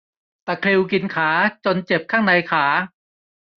ตะคริวกินขาจนเจ็บข้างในขา